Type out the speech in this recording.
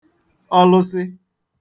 ọlụsị